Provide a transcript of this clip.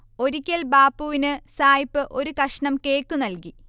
ഒരിക്കൽ ബാപ്പുവിന് സായിപ്പ് ഒരു കഷ്ണം കേക്കു നല്കി